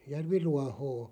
järviruohoa